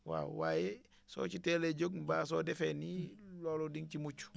waaw waaye soo ci teelee jóg mbaa soo defee nii loolu di nga ci mucc